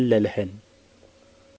ለልኸን